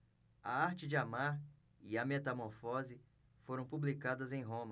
a arte de amar e a metamorfose foram publicadas em roma